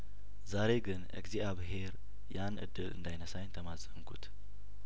ዛሬ ግን እግዚአብሄርያን እድል እንዳይነሳኝ ተማጸንኩት